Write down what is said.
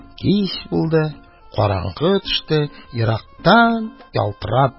Кич булды, караңгы төште, ерактан, ялтырап, бер ут күренде.